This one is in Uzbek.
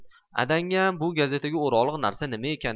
adangam bu gazetaga o'rog'liq narsa nima ekan